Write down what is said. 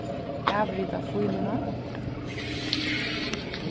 avrita fíluna